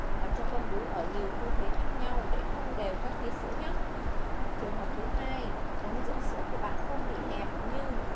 và cho con bú ở nhiều tư thế khác nhau để thông đều các tia sữa nhé trường hợp thứ ống dẫn sữa của bạn không bị hẹp nhưng